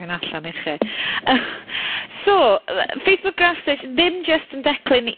hyn allan i chi. So, yy Facebook graph search ddim jyst yn declyn i